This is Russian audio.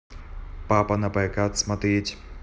папа напрокат смотреть